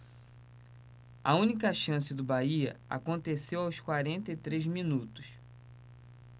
a única chance do bahia aconteceu aos quarenta e três minutos